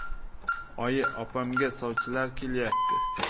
oyi opamga sovchilar kelyapti